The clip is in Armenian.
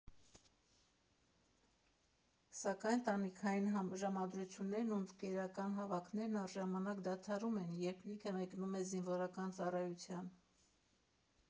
Սակայն տանիքային ժամադրություններն ու ընկերական հավաքներն առժամանակ դադարում են, երբ Նիքը մեկնում է զինվորական ծառայության։